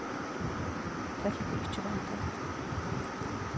teltið er ikki vatntætt